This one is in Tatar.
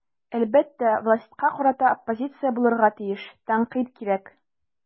Әлбәттә, властька карата оппозиция булырга тиеш, тәнкыйть кирәк.